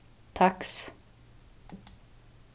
taks